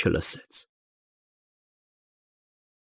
Չլսեց։